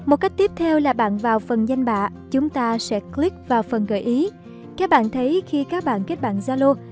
cách tiếp theo là bạn vào phần danh bạ chúng ta sẽ click vào phần gợi ý các bạn thấy khi các bạn kết bạn zalo